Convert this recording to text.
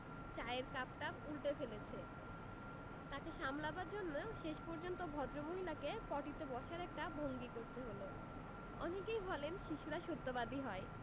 চায়ের কাপটাপ উন্টে ফেলছে তাকে সামলাবার জন্যে শেষ পর্যন্ত ভদ্রমহিলাকে পটি তে বসার একটা ভঙ্গি করতে হল অনেকেই বলেন শিশুরা সত্যবাদী হয়